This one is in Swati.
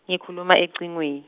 ye khuluma ecingweni.